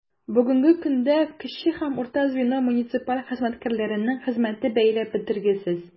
Бүгенге көндә кече һәм урта звено муниципаль хезмәткәрләренең хезмәте бәяләп бетергесез.